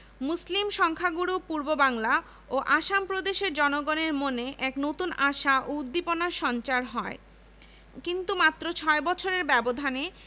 ১৮৮২ সালের Hunter commission ১৯১২ সালের Nathan committee ১৯১৩ সালের হর্নেল কমিটি এবং ১৯১৭ সালের কলকাতা বিশ্ববিদ্যালয় কমিশন